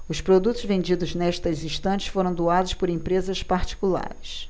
os produtos vendidos nestas estantes foram doados por empresas particulares